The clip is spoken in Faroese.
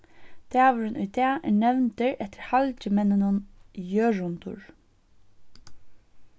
dagurin í dag er nevndur eftir halgimenninum jørundur